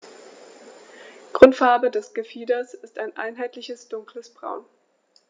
Grundfarbe des Gefieders ist ein einheitliches dunkles Braun.